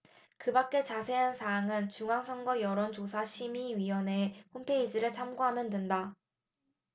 그밖의 자세한 사항은 중앙선거여론조사심의위원회 홈페이지를 참조하면 된다